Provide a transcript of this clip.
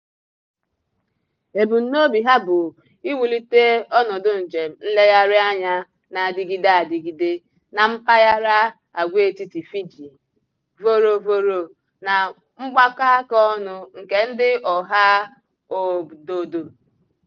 Ebumunobi ha bụ iwulite ọnọdụ njem nleghari anya na-adigide adigide na mpaghara agwaetiti Fiji, Vorovoro na mgbakọaka ọnụ nke ndị ọha obdodo,